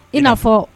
I'afɔ